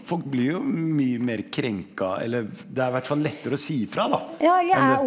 folk blir jo mye mer krenka eller det er hvert fall lettere å si fra da enn det.